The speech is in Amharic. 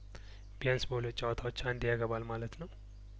ቢያንስ በሁለት ጨዋታ አንዴ ያገባል ማለት ነው